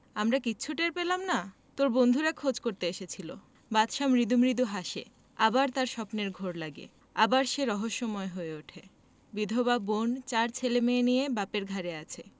আমরা কিচ্ছু টের পেলাম না তোর বন্ধুরা খোঁজ করতে এসেছিলো বাদশা মৃদু মৃদু হাসে আবার তার স্বপ্নের ঘোর লাগে আবার সে রহস্যময় হয়ে উঠে বিধবা বোন চার ছেলেমেয়ে নিয়ে বাপের ঘাড়ে আছে